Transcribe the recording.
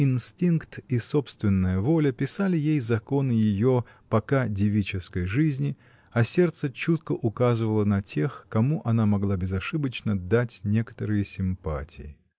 Инстинкт и собственная воля писали ей законы ее пока девической жизни, а сердце чутко указывало на тех, кому она могла безошибочно дать некоторые симпатии.